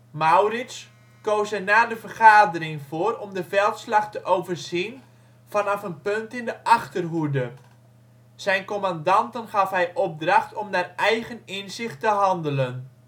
Maurits koos er na de vergadering voor om de veldslag te overzien vanaf een punt in de achterhoede. Zijn commandanten gaf hij opdracht om naar eigen inzicht te handelen